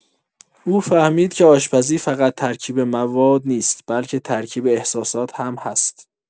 او فهمید که آشپزی فقط ترکیب مواد نیست، بلکه ترکیب احساسات هم هست.